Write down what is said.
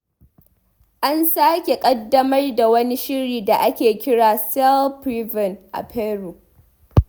An sake ƙaddamar da wani shiri da ake kira 'Cell-PREVEN' a Peru.